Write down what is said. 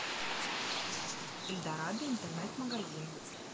эльдорадо интернет магазин